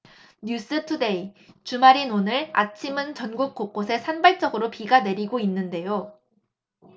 뉴스투데이 주말인 오늘 아침은 전국 곳곳에 산발적으로 비가 내리고 있는데요